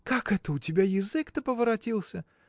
Как это у тебя язык-то поворотился?